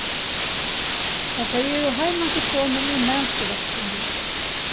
tá tey eru heimafturkomin er matur á skránni